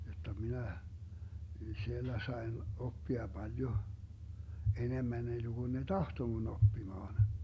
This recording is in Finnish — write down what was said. jotta minä siellä sain oppia paljon enemmän ennen kuin ne tahtoi minun oppimaan